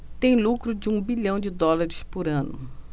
tem lucro de um bilhão de dólares por ano